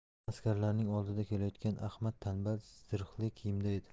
askarlarning oldida kelayotgan ahmad tanbal zirhli kiyimda edi